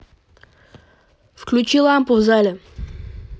выключи лампу в зале